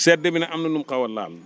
sedd bi nag am na ñum xaw a laal